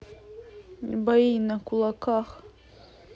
бои на кулаках